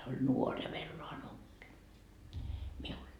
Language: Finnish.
se oli nuori ja vello anoppi minulla